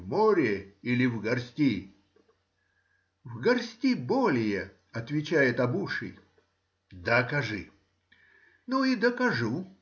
в море или в горсти?—В горсти более,— отвечал обуший. Докажи. — Ну и докажу